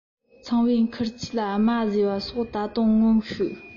ཚངས པའི མཁུར ཚོས ལ རྨ བཟོས པ སོགས ད དུང ངོམས ཤིག